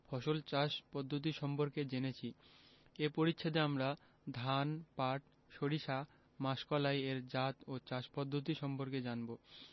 ফসল চাষ পদ্ধতি সম্পর্কে জেনেছি এ পরিচ্ছেদে আমরা ধান পাট সরিষা ও মাসকলাই এর জাত ও চাষ পদ্ধতি সম্পর্কে জানব